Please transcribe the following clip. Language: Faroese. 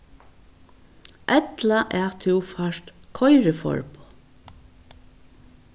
ella at tú fært koyriforboð